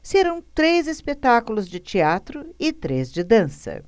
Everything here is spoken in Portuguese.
serão três espetáculos de teatro e três de dança